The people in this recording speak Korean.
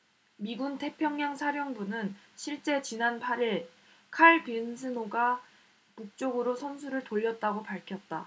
미군 태평양 사령부는 실제 지난 팔 일 칼 빈슨호가 북쪽으로 선수를 돌렸다고 밝혔다